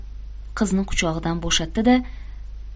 qizni quchog'idan bo'shatdi da